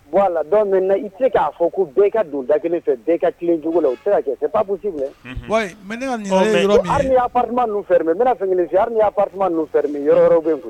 Bon na i tɛ se k'a fɔ ko ka don da kelen fɛ ka cogo o tɛa bɛna fini amiati fɛ